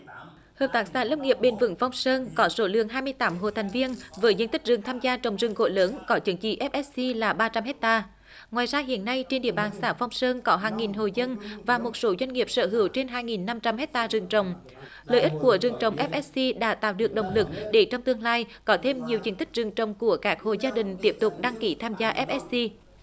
hợp tác xã lâm nghiệp bền vững phong sơn có số lượng hai mươi tám hộ thành viên với diện tích rừng tham gia trồng rừng gỗ lớn có chứng chỉ ép ét xi là ba trăm héc ta ngoài ra hiện nay trên địa bàn xã phong sơn có hàng nghìn hộ dân và một số doanh nghiệp sở hữu trên hai nghìn năm trăm héc ta rừng trồng lợi ích của rừng trồng ép ét xi đã tạo được động lực để trong tương lai có thêm nhiều diện tích rừng trồng của các hộ gia đình tiếp tục đăng ký tham gia ép ét xi